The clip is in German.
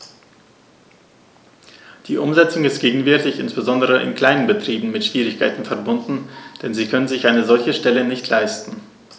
Die Umsetzung ist gegenwärtig insbesondere in kleinen Betrieben mit Schwierigkeiten verbunden, denn sie können sich eine solche Stelle nicht leisten.